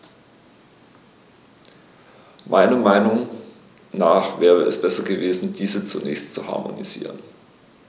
Meiner Meinung nach wäre es besser gewesen, diese zunächst zu harmonisieren.